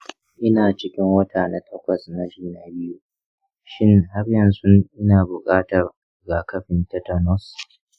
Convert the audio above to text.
ina cikin wata na takwas na juna biyu; shin har yanzu ina buƙatar rigakafin tetanus?